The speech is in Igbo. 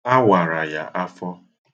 A wara ya afọ.